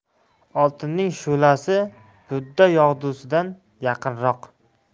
oltinning shulasi budda yog'dusidan yorqinroq